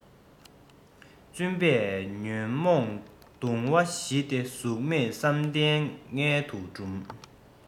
བཙུན པས ཉོན མོངས གདུང བ ཞི སྟེ གཟུགས མེད བསམ གཏན མངལ དུ སྦྲུམ